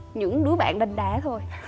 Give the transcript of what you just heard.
những đứa bạn đanh đá thôi